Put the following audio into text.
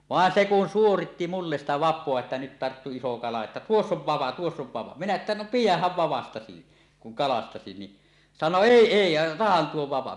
vaan se kun suoritti minulle sitä vapaa että nyt tarttui iso kala että tuossa on vapa tuossa on vavan - minä että no pidähän vavastasi kun kalastasi niin sanoi ei ei ja otahan tuo vapa